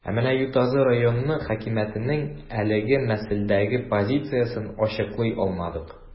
Ә менә Ютазы районы хакимиятенең әлеге мәсьәләдәге позициясен ачыклый алмадык.